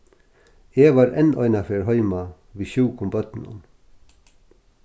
eg var enn einaferð heima við sjúkum børnum